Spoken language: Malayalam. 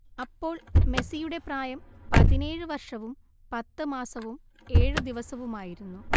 അപ്പോൾ മെസ്സിയുടെ പ്രായം പതിനേഴ് വർഷവും പത്ത് മാസവും ഏഴ് ദിവസവുമായിരുന്നു